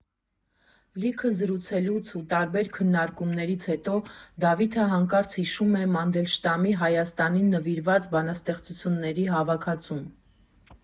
Լիքը զրուցելուց ու տարբեր քննարկումներից հետո Դավիթը հանկարծ հիշում է Մանդելշտամի՝ Հայաստանին նվիրված բանաստեղծությունների հավաքածուն։